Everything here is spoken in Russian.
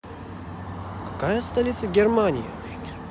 какая столица германии